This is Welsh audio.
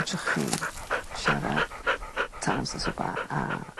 fetrwch chi siarad tan amsa swpa a